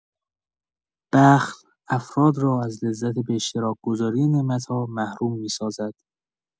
بخل، افراد را از لذت به اشتراک‌گذاری نعمت‌ها محروم می‌سازد.